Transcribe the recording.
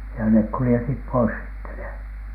ja ne kuljetettiin pois sitten ne